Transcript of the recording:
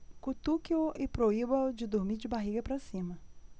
cutuque-o e proíba-o de dormir de barriga para cima